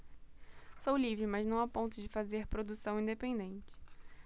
sou livre mas não a ponto de fazer produção independente